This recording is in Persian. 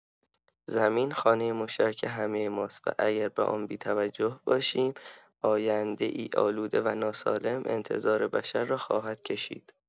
زمین خانه مشترک همه ماست و اگر به آن بی‌توجه باشیم، آینده‌ای آلوده و ناسالم انتظار بشر را خواهد کشید.